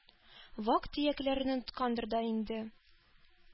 Вак-төякләрен оныткандыр да инде: